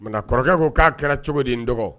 Mara kɔrɔkɛ ko k'a kɛra cogo di in dɔgɔ